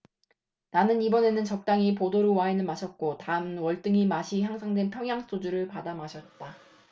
나는 이번에는 적당히 보르도 와인을 마셨고 다음은 월등히 맛이 향상된 평양 소주를 받아 마셨다